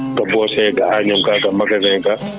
to Bosowé to Agname gay to magasin ga